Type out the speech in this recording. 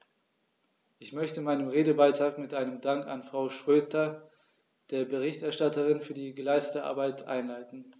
Ich möchte meinen Redebeitrag mit einem Dank an Frau Schroedter, der Berichterstatterin, für die geleistete Arbeit einleiten.